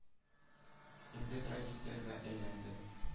Инде традициягә әйләнде.